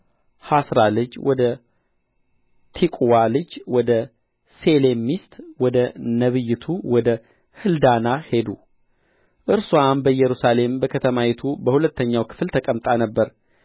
ሐስራ ልጅ ወደ ቲቁዋ ልጅ ወደ ሴሌም ሚስት ወደ ነቢይቱ ወደ ሕልዳና ሄዱ እርስዋም በኢየሩሳሌም በከተማይቱ በሁለተኛው ክፍል ተቀምጣ ነበር